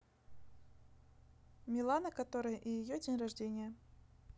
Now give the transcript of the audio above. милана которая и ее день рождения